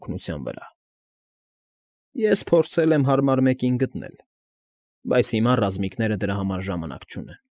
Օգնության վրա։ Ես փորձել եմ հարմար մեկը գտնել, բայց հիմա ռազմիկները դրա համար ժամանակ չունեն։